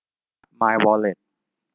มายวอลเล็ต